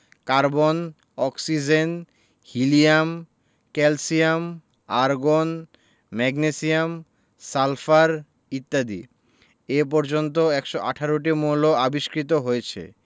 carbon oxygen helium calcium argon magnesium sulphur ইত্যাদি এ পর্যন্ত ১১৮টি মৌল আবিষ্কৃত হয়েছে